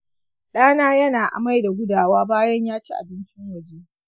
ɗana yana amai da gudawa bayan ya ci abincin waje